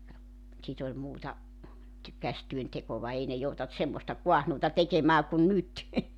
ja sitten oli muuta - käsityöntekoa ei ne joutanut semmoista kaahnuuta tekemään kuin nyt